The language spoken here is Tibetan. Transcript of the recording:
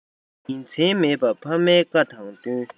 ཉིན མཚན མེད པ ཕ མའི བཀའ དང བསྟུན